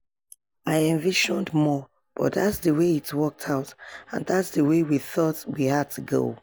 I envisioned more, but that's the way it worked out and that's the way we thought we had to go.